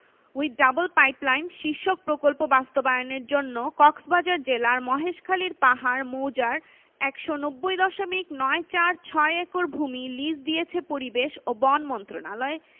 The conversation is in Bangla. উইথ ডাবল পাইপলাইন শীর্ষক প্রকল্প বাস্তবায়নের জন্য কক্সবাজার জেলার মহেশখালীর পাহাড় মৌজার ১৯০ দশমিক নয় চার ছয় একর ভূমি লিজ দিয়েছে পরিবেশ ও বন মন্ত্রণালয়